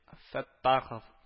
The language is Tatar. Фәттахов